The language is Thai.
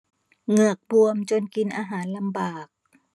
เหงือกบวมจนกินอาหารลำบาก